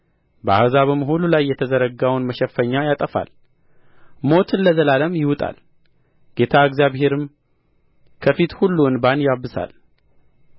በአሕዛብም ሁሉ ላይ የተዘረጋውን መሸፈኛ ያጠፋል ሞትን ለዘላለም ይውጣል ጌታ እግዚአብሔርም ከፊት ሁሉ እንባን ያብሳል